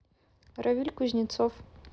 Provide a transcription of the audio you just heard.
равиль кузнецов